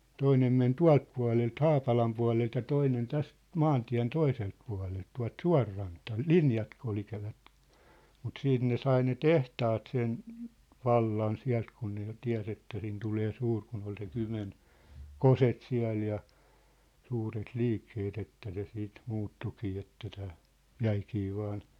toinen meni tuolta puolelta Haapalan puolelta ja toinen tästä maantien toiselta puolelta tuolta suonrantaa linjat kulkivat mutta sitten ne sai ne tehtaat sen vallan sieltä kun ne jo tiesi että sinne tulee suuri kun oli se Kymen kosket siellä ja suuret liikkeet että se siitä muuttuikin että tämä jäikin vain